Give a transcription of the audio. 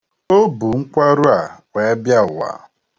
O bu nkwarụ a wee bịa ụwa.